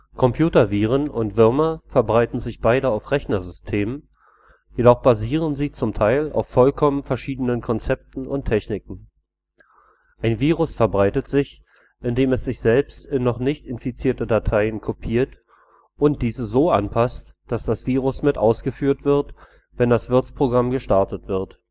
Computerviren und - Würmer verbreiten sich beide auf Rechnersystemen, jedoch basieren sie zum Teil auf vollkommen verschiedenen Konzepten und Techniken. Ein Virus verbreitet sich, indem es sich selbst in noch nicht infizierte Dateien kopiert und diese so anpasst, dass das Virus mit ausgeführt wird, wenn das Wirtsprogramm gestartet wird